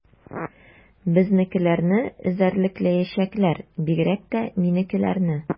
Безнекеләрне эзәрлекләячәкләр, бигрәк тә минекеләрне.